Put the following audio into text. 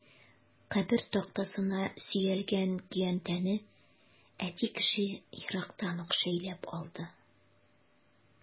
Кабер тактасына сөялгән көянтәне әти кеше ерактан ук шәйләп алды.